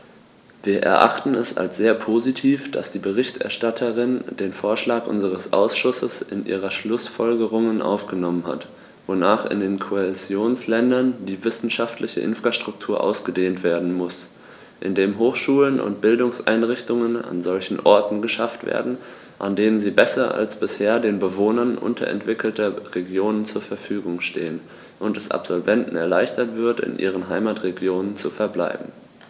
Wir erachten es als sehr positiv, dass die Berichterstatterin den Vorschlag unseres Ausschusses in ihre Schlußfolgerungen aufgenommen hat, wonach in den Kohäsionsländern die wissenschaftliche Infrastruktur ausgedehnt werden muss, indem Hochschulen und Bildungseinrichtungen an solchen Orten geschaffen werden, an denen sie besser als bisher den Bewohnern unterentwickelter Regionen zur Verfügung stehen, und es Absolventen erleichtert wird, in ihren Heimatregionen zu verbleiben.